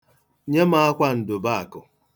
Nye m akwa Ndụ̀bụ̀àkụ̀.